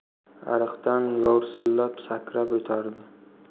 ariqdan lorsillab sakrab o'tardi